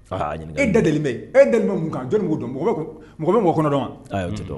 Fa e dɛde bɛ e dɛ kan jɔn ko don mɔgɔ bɛ mɔgɔ kɔnɔ dɔn